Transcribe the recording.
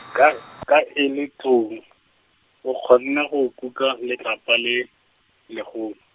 ka, ka e le tlou , o kgonne go kuka letlapa le, lego-.